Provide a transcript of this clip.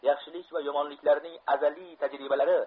yaxshilik va yomonliklarning azaliy tajribalari